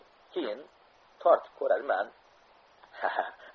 keyin totib qo'rarman